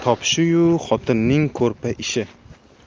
topishi yu xotinning ko'rpa ishi